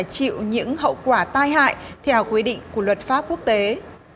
chịu những hậu quả tai hại theo quy định của luật pháp quốc tế